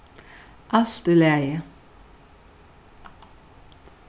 alt í lagi